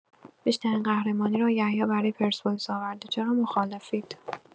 بیشترین قهرمانی را یحیی برای پرسپولیس آورده، چرا مخالفید؟